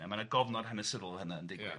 A mae na gofnod hanesyddol o hynna yn digwydd... Ia.